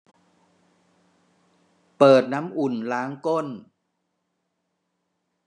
เปิดน้ำอุ่นล้างก้น